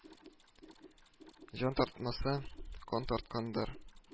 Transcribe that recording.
Җан тартмаса, кан тарткандыр